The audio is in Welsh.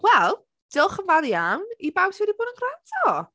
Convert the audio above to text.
Wel, diolch yn fawr iawn i bawb sydd wedi bod yn gwrando!